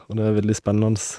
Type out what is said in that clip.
Og det er veldig spennende.